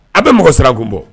A bɛ mɔgɔ sira kun bɔ'